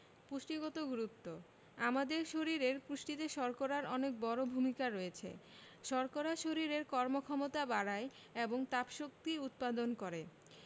পুষ্টিগত গুরুত্ব আমাদের শরীরের পুষ্টিতে শর্করার অনেক বড় ভূমিকা রয়েছে শর্করা শরীরের কর্মক্ষমতা বাড়ায় এবং তাপশক্তি উৎপাদন করে